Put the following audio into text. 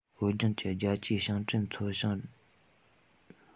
བོད ལྗོངས ཀྱི རྒྱ ཆེའི ཞིང བྲན ཚོ ཞིང བྲན ལམ ལུགས ཀྱི ལྕགས སྒྲོག ལས ཐར བའི རེ འདུན ཡོད